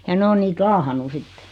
ja ne on niitä laahannut sitten